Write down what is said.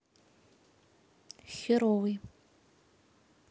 херовый